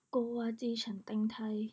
โกวาจีฉันแตงไทย